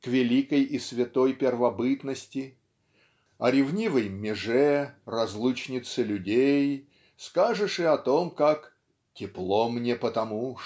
к великой и святой первобытности. О ревнивой меже разлучнице людей скажешь и о том как Тепло мне потому